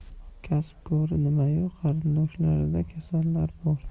kasb kori nimayu qarindoshlarida kasallar bor